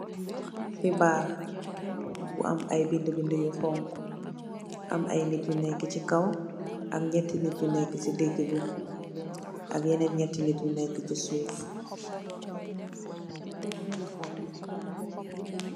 Hibaar, bu am aye bindi bindi yu xonxu, am aye nit yu nek chi kaw, am nyati nit yu nek si digbi, ak yanen nyati nit yu nek chi suuf.